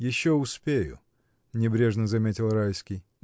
— Еще успею, — небрежно заметил Райский.